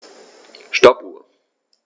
Stoppuhr.